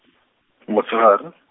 mosegare.